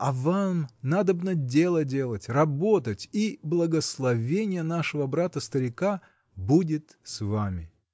-- а вам надобно дело делать, работать, и благословение нашего брата, старика, будет с вами.